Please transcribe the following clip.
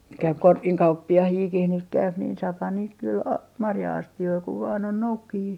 nyt käy - korkinkauppiaitakin nyt käy niin saahan niitä kyllä - marja-astioita kun vain on noukkijoita